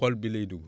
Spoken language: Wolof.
xol bi lay dugg